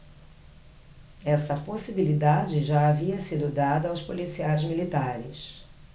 essa possibilidade já havia sido dada aos policiais militares